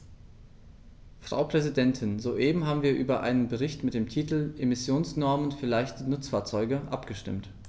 Frau Präsidentin, soeben haben wir über einen Bericht mit dem Titel "Emissionsnormen für leichte Nutzfahrzeuge" abgestimmt.